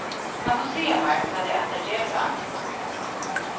kanst tú siga mær hvat tey ætla at gera